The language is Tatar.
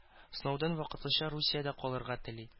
Сноуден вакытлыча Русиядә калырга тели